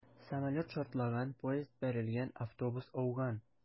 Самолет шартлаган, поезд бәрелгән, автобус ауган...